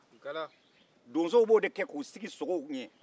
donsow b'o de ke k'u sigi sogow ɲɛ